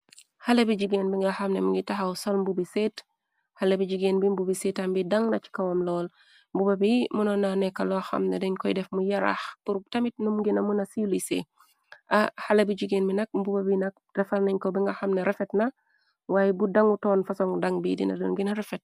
Xale bi jigeen bi nga xamne mi ngi taxaw sol mbubi set. Xale bi jigeen bi mbubi setam bi dang na c kawam lool. Mbuuba bi mëno na nekka loo xamne dañ koy def mu yaraax prg tamit num gina mëna siw lise xale bi jigeen bi nak. Mbuba bi nak refar nañ ko bi nga xamne refet na. Waaye bu dangu toon fasonu daŋg bi dina dun gina refet.